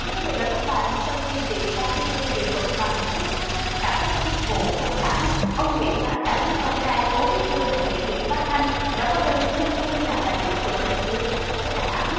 thưa quý vị và các bạn sau khi bị ban bí thư kỷ luật bằng hình thức cách tất cả các chức vụ trong đảng ông nguyễn bá cảnh con trai cố bí thư thành ủy nguyễn bá thanh đã có đơn xin thôi làm đại biểu hội đồng nhân dân thành phố đà nẵng